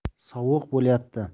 sovuq bo'layapti